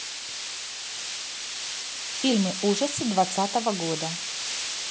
фильмы ужасы двадцатого года